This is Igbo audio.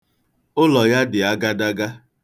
Ụlọ ya dị agadaga.